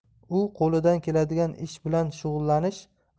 u qo'lidan keladigan ish bilan shug'ullanish